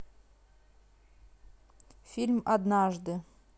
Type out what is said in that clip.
фильм однажды